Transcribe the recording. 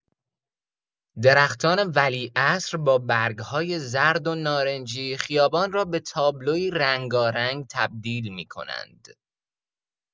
درختان ولیعصر با برگ‌های زرد و نارنجی، خیابان را به تابلویی رنگارنگ تبدیل می‌کنند.